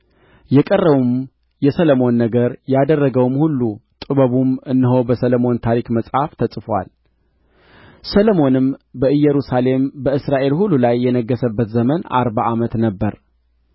የቀረውም የሰሎሞን ነገር ያደረገውም ሁሉ ጥበቡም እነሆ በሰሎሞን ታሪክ መጽሐፍ ተጽፎአል ሰሎሞንም በኢየሩሳሌም በእስራኤል ሁሉ ላይ የነገሠበት ዘመን አርባ ዓመት ነበረ